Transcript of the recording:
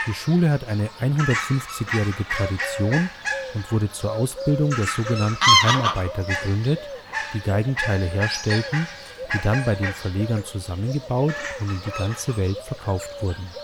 Schule hat eine 150-jährige Tradition und wurde zur Ausbildung der sog. Heimarbeiter gegründet, die Geigenteile herstellten, die dann bei den Verlegern zusammengebaut und in die ganze Welt verkauft wurden